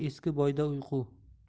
yo'q eski boyda uyqu